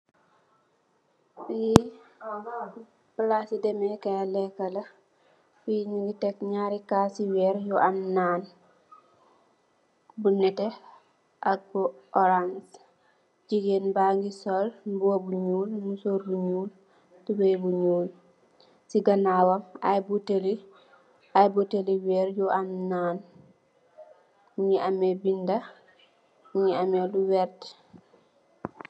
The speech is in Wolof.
Fi palasi demeh kai lekala fi nyungi tek nyarri kassi werr yu am nang bu neteh ak bu orance gigain bangi sol mbuba bu nyuul musorr bu nyuul tubai bu nyuul sey ganawam I butaili i butaili werr yu am nang Mungi ameh binda mungi ameh lu werteh.